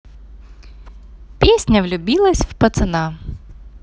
песня влюбилась в пацана